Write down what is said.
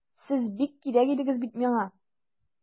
Сез бик кирәк идегез бит миңа!